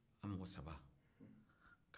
an mɔgɔ saba